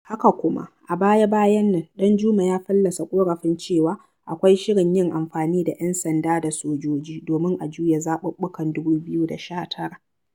Haka kuma, a baya-bayan nan ɗanjuma ya fallasa ƙorafin cewa akwai shirin yi amfani da "'yan sanda da sojoji" domin a juya zaɓuɓɓukan 2019.